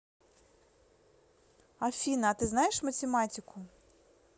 афина а ты знаешь математику